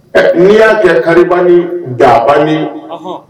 Ɛ n'i y'a kɛ kari ni daban